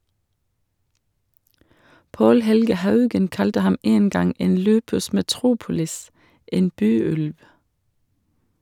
Andrij Sjevtsjenko avslutter landslagskarrieren på hjemmebane - med EM.